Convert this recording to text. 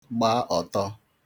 gba ọ̀tọ